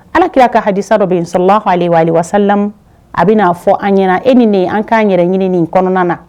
Alaki ka hadisa dɔ bɛ yen sɔrɔla'aale ye waasamu a bɛna'a fɔ an ɲ e ni nin an k'an yɛrɛ ɲini nin kɔnɔna na